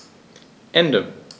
Ende.